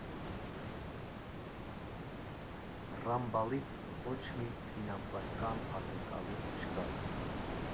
Ռամբալից ոչ մի ֆինանսական ակնկալիք չկա։